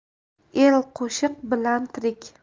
el qo'shiq bilan tirik